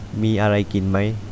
มีอะไรกินไหม